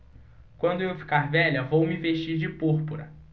quando eu ficar velha vou me vestir de púrpura